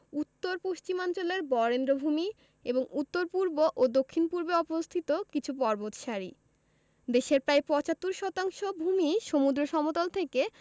উত্তর পশ্চিমাঞ্চলের বরেন্দ্রভূমি এবং উত্তর পূর্ব ও দক্ষিণ পূর্বে অবস্থিত কিছু পর্বতসারি দেশের প্রায় ৭৫ শতাংশ ভূমিই সমুদ্র সমতল থেকে